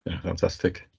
Ia fantastic.